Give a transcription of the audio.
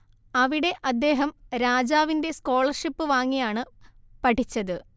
അവിടെ അദ്ദേഹം രാജാവിന്റെ സ്കോളർഷിപ്പ് വാങ്ങിയാണ് പഠിച്ചത്